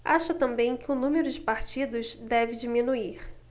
acha também que o número de partidos deve diminuir